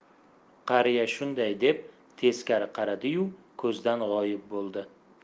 qariya shunday deb teskari qaradiyu ko'zdan g'oyib bo'ldi